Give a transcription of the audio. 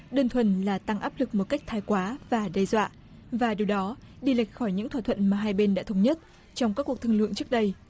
đơn thuần là tăng áp lực một cách thái quá và đe dọa và điều đó đi lệch khỏi những thỏa thuận mà hai bên đã thống nhất trong các cuộc thương lượng trước đây